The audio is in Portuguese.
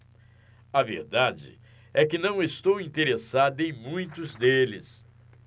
a verdade é que não estou interessado em muitos deles